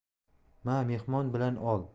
ma mehmon bilan ol